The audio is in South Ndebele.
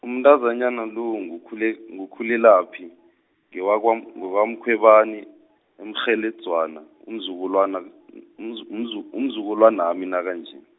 umntazana lo nguKhule- nguKhulelaphi, ngewakwam- ngwakwaMkhwebani umrheledzwana, umzukulwana, mzu- mzu- umzukulwanami nakanje.